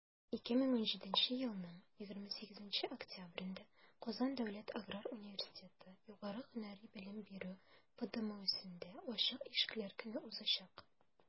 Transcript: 2017 елның 28 октябрендә «казан дәүләт аграр университеты» югары һөнәри белем бирү фдбмусендә ачык ишекләр көне узачак.